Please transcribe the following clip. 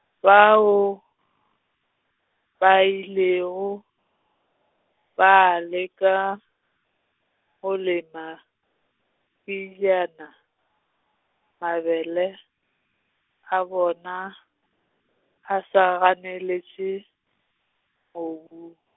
bao, ba ilego, ba leka, go lema, pejana, mabele, a bona, a sa ganeletše, mobung.